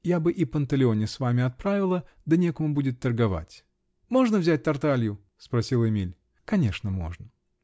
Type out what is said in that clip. Я бы и Панталеоне с вами отправила, да некому будет торговать. -- Можно взять Тарталью? -- спросил Эмиль. -- Конечно, можно.